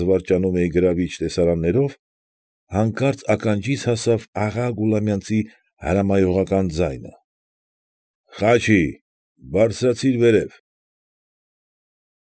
Զվարճանում էի գրավիչ տեսարաններով, հանկարծ ականջիս հասավ աղա Գուլամյանցի հրամայողական ձայնը. ֊ Խաչի, բարձրացի՛ր վերև։